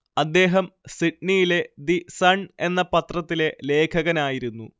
അദ്ദേഹം സിഡ്നിയിലെ the Sun എന്ന പത്രത്തിലെ ലേഖകനായിരുന്നു